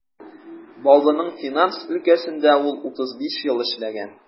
Баулының финанс өлкәсендә ул 35 ел эшләгән.